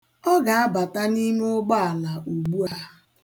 Ọ ga-abata n'ime ụgbaala ugbu a.